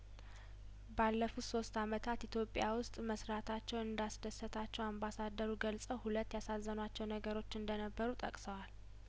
ባለፉት ሶስት አመታት ኢትዮጵያ ውስጥ መስራታቸው እንዳስ ደሰታቸው አምባሳደሩ ገልጸው ሁለት ያሳዘኗቸው ነገሮች እንደነበሩ ጠቅሰዋል